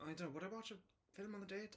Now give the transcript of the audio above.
Oh I don't know, would I watch a film on a date?